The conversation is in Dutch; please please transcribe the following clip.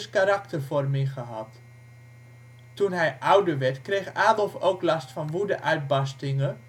karaktervorming gehad. Toen hij ouder werd kreeg Adolf ook last van woedeuitbarstingen